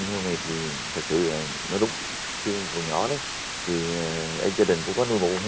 heo này thì thật sự là nó đúng khi mà còn nhỏ đấy thì gia đình cũng có nuôi một con